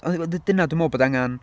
Ond wel d- dyna dwi'n meddwl bod angen...